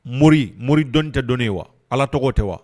Mori , mori dɔni tɛ don ye wa? allah tɔgɔ tɛ wa?